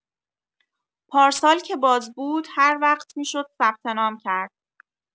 پارسال که باز بود هروقت می‌شد ثبت‌نام کرد